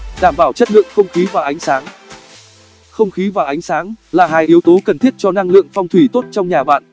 đảm bảo chất lượng không khí và ánh sáng không khí và ánh sáng là hai yếu tố cần thiết cho năng lượng phong thủy tốt trong nhà bạn